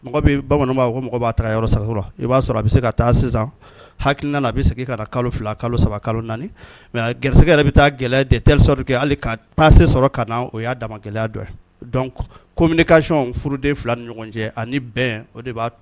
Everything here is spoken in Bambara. I'a se taa ha bɛ segin kalo kalo saba kalo mɛ g yɛrɛ bɛ taa desa kɛ hali ka taase sɔrɔ ka na o y'a da kokayɔnden fila ni ɲɔgɔn cɛ ani bɛn de